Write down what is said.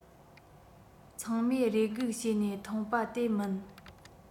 ཚང མས རེ སྒུག བྱེད ནས མཐོང པ དེ མིན